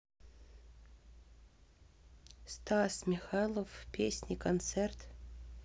стас михайлов песни концерт